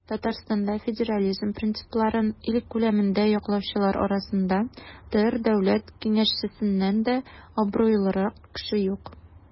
Татарстанда федерализм принципларын ил күләмендә яклаучылар арасында ТР Дәүләт Киңәшчесеннән дә абруйлырак кеше юк.